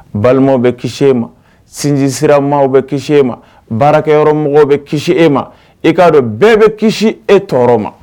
Balimaw bɛ kisi e ma sinji sirama bɛ kisi e ma baarakɛyɔrɔmɔgɔw bɛ kisi e ma i k'a dɔn bɛɛ bɛ kisi e tɔɔrɔ ma